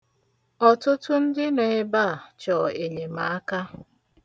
Ọtụtụ ndị nọ ebe a chọ enyemaka.